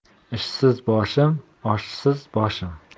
ishsiz boshim oshsiz boshim